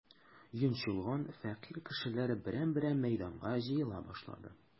Йончылган, фәкыйрь кешеләр берәм-берәм мәйданга җыела башлады.